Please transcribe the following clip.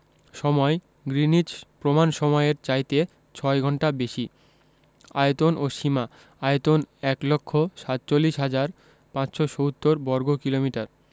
সময়ঃ গ্রীনিচ প্রমাণ সমইয়ের চাইতে ৬ ঘন্টা বেশি আয়তন ও সীমাঃ আয়তন ১লক্ষ ৪৭হাজার ৫৭০বর্গকিলোমিটার